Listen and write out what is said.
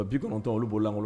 Bi kɔnɔtɔn olu b'olankolon